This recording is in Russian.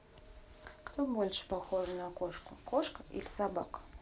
кто больше похожа на кошку кошка или собака